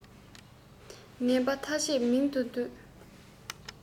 ངན པ ཐ ཆད མིང དུ འདོད